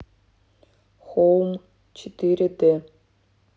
хоум четыре д